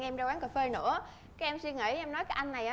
em ra quán cà phê nữa cái em suy nghĩ em nói cái anh này á